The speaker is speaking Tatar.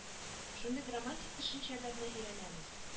Шундый грамматик төшенчәләрне өйрәнәбез